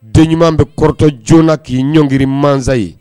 Dɔ ɲumanuma bɛ kɔrɔtɔ joona k'i ɲɔngri mankan ye